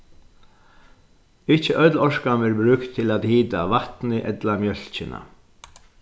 ikki øll orkan verður brúkt til at hita vatnið ella mjólkina